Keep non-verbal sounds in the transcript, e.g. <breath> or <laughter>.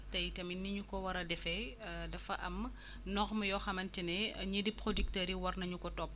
te i tamit ni ñu ko war a defee <hesitation> dafa am <breath> normes yoo xamante ni <hesitation> ñii di producteurs yi war nañu ko topp